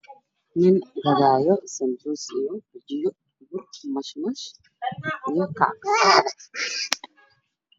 Nin gadaayo bijiiyo iyo sanbuus mashmash iyo kackac